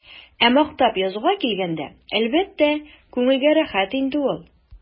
Ә мактап язуга килгәндә, әлбәттә, күңелгә рәхәт инде ул.